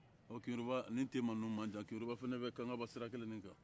ɔ keyoroba ani tema ninnu man jan keyoroba fana bɛ kangaba siraba kelen de kan